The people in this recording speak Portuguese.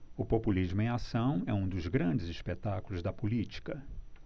o populismo em ação é um dos grandes espetáculos da política